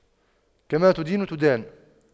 كما تدين تدان